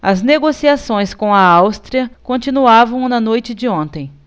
as negociações com a áustria continuavam na noite de ontem